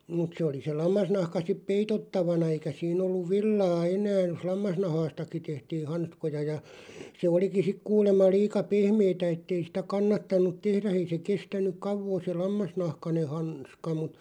mutta se oli se lammasnahka sitten peitottavana eikä siinä ollut villaa enää jos lammasnahkastakin tehtiin hanskoja ja se olikin sitten kuulemma liian pehmeää että ei sitä kannattanut tehdä ei se kestänyt kauaa se lammasnahkainen - hanska mutta